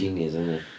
Genius oedd hynna.